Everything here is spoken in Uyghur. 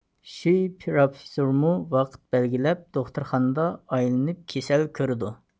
شۈي پروفىسسورمۇ ۋاقىت بەلگىلەپ دوختۇرخانىدا ئايلىنىپ كېسەل كۆرىدۇ